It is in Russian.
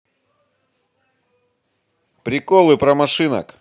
приколы про машинок